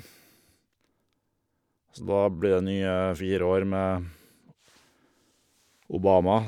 Så da blir det nye fire år med Obama.